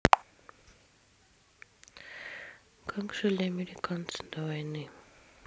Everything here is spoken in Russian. как жили американцы до войны